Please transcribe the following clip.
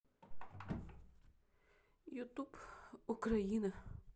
ютуб украина